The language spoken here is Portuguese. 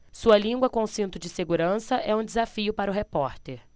sua língua com cinto de segurança é um desafio para o repórter